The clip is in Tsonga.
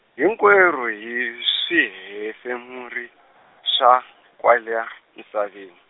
hinkwerhu hi swihefemuri, swa kwa li ha, misaveni.